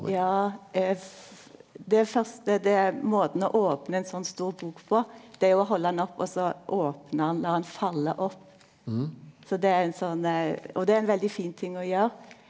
ja det fyrste det er måten å opne ein sånn stor bok på det er å halda han opp og så opne han la han falle opp så det er ein sånn og det er ein veldig fin ting å gjere.